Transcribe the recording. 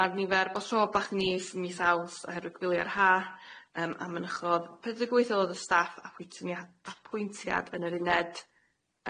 Ma'r nifer o tro bach yn nyth mis Awst oherwydd fili ar Ha yym a mynychodd pedeg wyth oed o'dd y staff dat- apwyntiad yn yr uned.